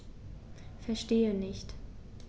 Verstehe nicht.